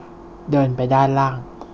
เดินไปด้านล่าง